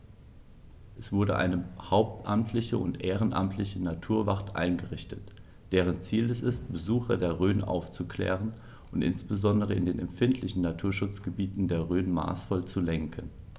Es wurde eine hauptamtliche und ehrenamtliche Naturwacht eingerichtet, deren Ziel es ist, Besucher der Rhön aufzuklären und insbesondere in den empfindlichen Naturschutzgebieten der Rhön maßvoll zu lenken.